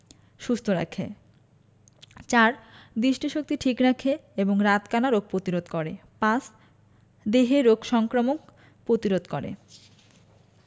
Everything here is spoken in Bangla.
সুস্থ রাখে ৪. দিষ্টিশক্তি ঠিক রাখে এবং রাতকানা রোগ পতিরোধ করে ৫. দেহে রোগ সংক্রমক পতিরোধ করে